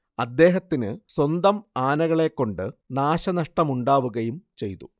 അദ്ദേഹത്തിന് സ്വന്തം ആനകളെകൊണ്ട് നാശനഷ്ടമുണ്ടാവുകയും ചെയ്തു